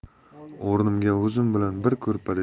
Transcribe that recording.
o'rnimga o'zim bilan bir ko'rpada